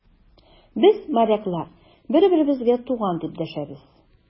Без, моряклар, бер-беребезгә туган, дип дәшәбез.